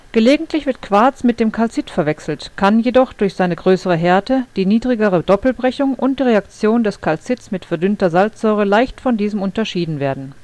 Gelegentlich wird Quarz mit dem Calcit verwechselt, kann jedoch durch seine größere Härte, die niedrigere Doppelbrechung und die Reaktion des Calcits mit verdünnter Salzsäure leicht von diesem unterschieden werden